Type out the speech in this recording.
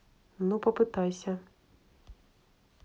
ну попытайся